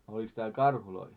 no olikos täällä karhuja